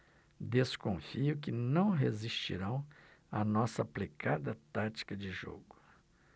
desconfio que não resistirão à nossa aplicada tática de jogo